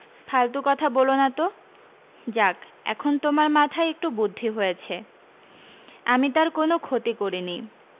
ফালতু কথা বোলো না তো যাক এখন তোমার মাথায় একটু বুদ্ধি হয়েছে আমি তার কোনো ক্ষতি করিনি